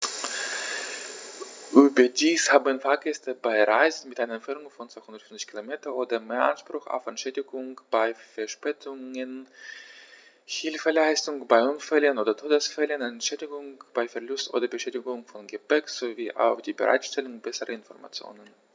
Überdies haben Fahrgäste bei Reisen mit einer Entfernung von 250 km oder mehr Anspruch auf Entschädigung bei Verspätungen, Hilfeleistung bei Unfällen oder Todesfällen, Entschädigung bei Verlust oder Beschädigung von Gepäck, sowie auf die Bereitstellung besserer Informationen.